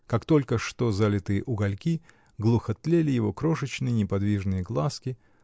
как только что залитые угольки, глухо тлели его крошечные, неподвижные глазки